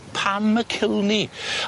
pam y culni?